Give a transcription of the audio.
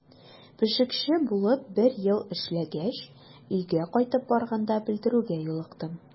Пешекче булып бер ел эшләгәч, өйгә кайтып барганда белдерүгә юлыктым.